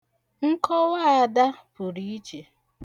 Nkọwa Ada puru iche.